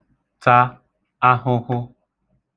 ta ahụhụ